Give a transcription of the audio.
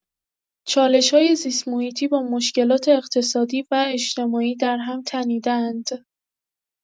چالش‌های زیست‌محیطی با مشکلات اقتصادی و اجتماعی در هم تنیده‌اند.